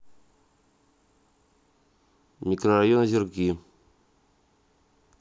микрорайон озерки